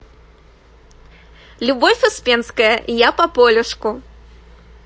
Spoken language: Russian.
любовь успенская я по полюшку